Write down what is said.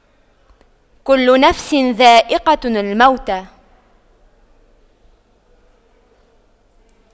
كُلُّ نَفسٍ ذَائِقَةُ المَوتِ